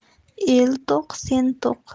el to'q sen to'q